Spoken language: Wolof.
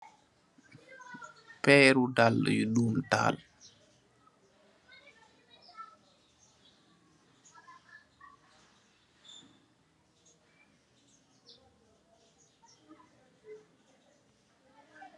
Perri daala yu domi taal